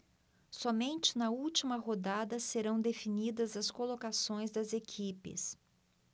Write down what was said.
somente na última rodada serão definidas as colocações das equipes